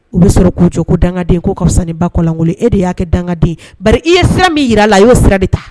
U bɛ sɔrɔ k'u jɔ ko dangaden ko ka fusa ni bakɔlankolon e de y'a kɛ dangaden Bari i ye fɛn min jira a la a y'o sira de ta.